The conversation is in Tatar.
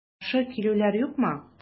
Каршы килүләр юкмы?